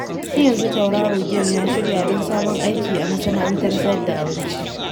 Har yanzu tauraro Game ya shirya don sabon aiki a masana’antar sayar da abinci